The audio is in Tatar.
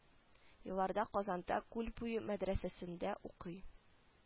Елларда казанда күлбуе мәдрәсәсендә укый